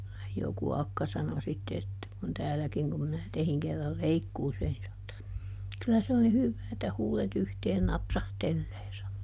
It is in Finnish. joku akka sanoi sitten että kun täälläkin kun minä tein kerran leikkuuseen niin sanoi että kyllä se on niin hyvää että huulet yhteen napsahtelee sanoi